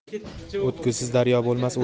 o'tgusiz daryo bo'lmas